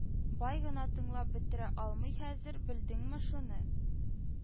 Бай гына тыңлап бетерә алмый хәзер, белдеңме шуны